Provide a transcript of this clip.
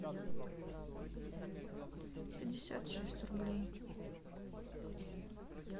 пятьдесят шесть рублей